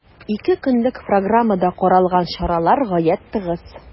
Ике көнлек программада каралган чаралар гаять тыгыз.